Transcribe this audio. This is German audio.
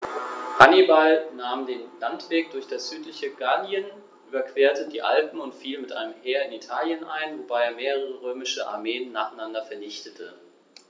Hannibal nahm den Landweg durch das südliche Gallien, überquerte die Alpen und fiel mit einem Heer in Italien ein, wobei er mehrere römische Armeen nacheinander vernichtete.